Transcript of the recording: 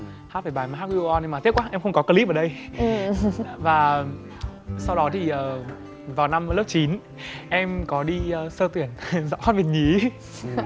hát về bài mai hót gâu on nhưng mà tiếc quá em không có cờ líp ở đây và sau đó thì ờ vào năm lớp chín em có đi sơ tuyển giọng hát việt nhí